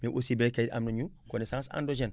mais aussi baykat yi am nañu connaissance endogène